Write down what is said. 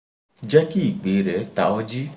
Jẹ́ kí ìpèe rẹ̀ ta ọ́ jí!